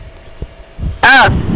a